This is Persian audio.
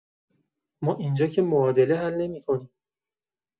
ما اینجا که معادله حل نمی‌کنیم.